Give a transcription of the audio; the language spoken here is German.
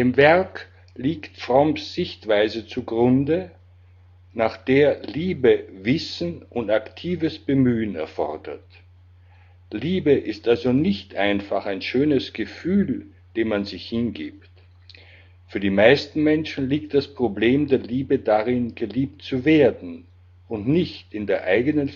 Werk liegt Fromms Sichtweise zugrunde, nach der Liebe Wissen und aktives Bemühen erfordert. Liebe ist also nicht einfach ein schönes Gefühl, dem man sich hingibt. Für die meisten Menschen liegt das Problem der Liebe darin, geliebt zu werden, und nicht in der eigenen